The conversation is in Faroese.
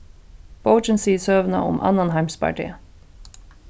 bókin sigur søguna um annan heimsbardaga